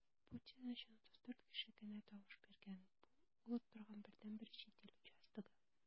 Путин өчен 34 кеше генә тавыш биргән - бу ул оттырган бердәнбер чит ил участогы.